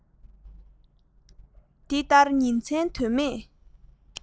འདི ལྟར ཉིན མཚན དོན མེད